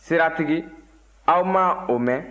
siratigi aw ma o mɛn